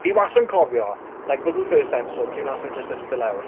Fi wastad yn cofio, like, was it the first episode? Pryd wnaethon nhw jyst iste lawr.